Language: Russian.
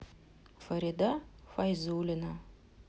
фарида файзулина